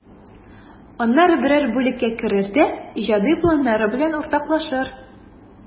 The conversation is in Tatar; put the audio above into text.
Аннары берәр бүлеккә керер дә иҗади планнары белән уртаклашыр.